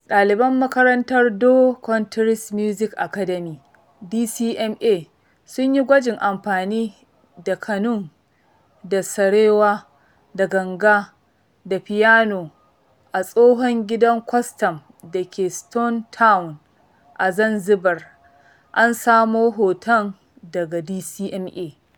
ɗaliban makarantar Dhow Countries Music Academy (DCMA) sun yi gwajin amfani da ƙanun da sarewa da ganga da fiyano a tsohon gidan kwastam da ke Stone Town a Zanzibar. An samo hoton daga DCMA.